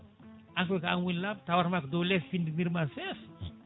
an koy ko an woni lamɗo tawatama ko dow leeso findinirma seesa